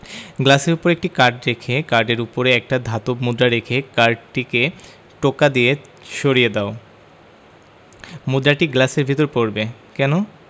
গ্লাসের উপর একটা কার্ড রেখে কার্ডের উপর একটা ধাতব মুদ্রা রেখে কার্ডটিকে টোকা দিয়ে সরিয়ে দাও মুদ্রাটি গ্লাসের ভেতর পড়বে কেন